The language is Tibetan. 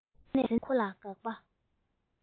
ཟེར ནས ཁོ ལ དགག པ